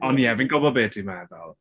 Ond ie fi'n gwybod be ti'n meddwl.